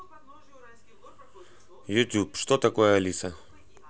ютуб что такое алиса